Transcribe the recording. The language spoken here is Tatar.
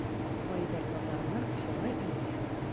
Кайбер татарлар шулай әйтә.